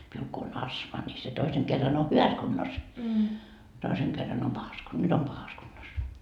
minulla kun on astma niin se toisen kerran on hyvässä kunnossa toisen kerran on pahassa - nyt on pahassa kunnossa